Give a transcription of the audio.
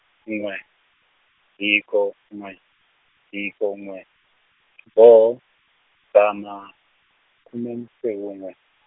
n'we, hiko n'we, hiko n'we, xiboho, dzana, khume ntsevu n'we.